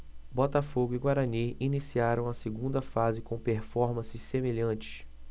botafogo e guarani iniciaram a segunda fase com performances semelhantes